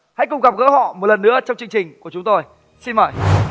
hãy cùng gặp gỡ họ một lần nữa trong chương trình của chúng tôi xin mời